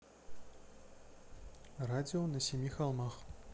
радио на семи холмах